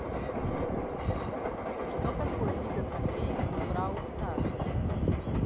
что такое лига трофеев в brawl stars